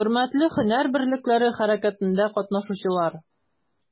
Хөрмәтле һөнәр берлекләре хәрәкәтендә катнашучылар!